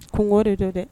Kogɔ de don dɛ